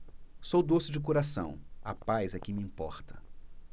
sou doce de coração a paz é que me importa